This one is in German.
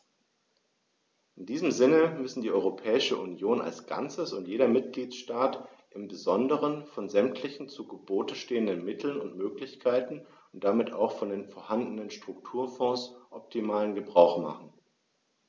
In diesem Sinne müssen die Europäische Union als Ganzes und jeder Mitgliedstaat im besonderen von sämtlichen zu Gebote stehenden Mitteln und Möglichkeiten und damit auch von den vorhandenen Strukturfonds optimalen Gebrauch machen.